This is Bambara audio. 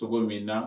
Sogo min na